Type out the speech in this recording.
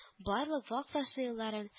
Барлык вак ташлы юлларын